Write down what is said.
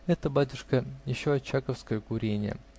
-- Это, батюшка, еще очаковское куренье.